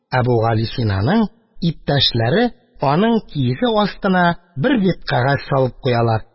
Әбүгалисинаның иптәшләре аның киезе астына бер бит кәгазь салып куялар